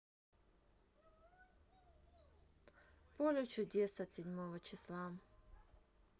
поле чудес от седьмого числа